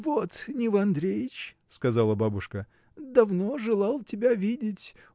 — Вот Нил Андреич, — сказала бабушка, — давно желал тебя видеть.